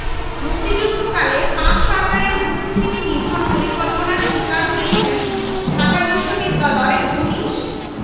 মুক্তিযুদ্ধকালে পাক সরকারের বুদ্ধিজীবী নিধন পরিকল্পনার শিকার হয়েছেন ঢাকা বিশ্ববিদ্যাপলয়ের ১৯